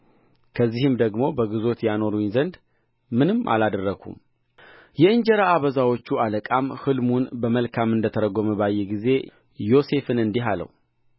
ከዚህም ደግሞ በግዞት ያኖሩኝ ዘንድ ምንም አላደረግሁም የእንጀራ አበዛዎቹ አለቃም ሕልሙን በመልካም እንደ ተረጎመ ባየ ጊዜ ዮሴፍን እንዲህ አለው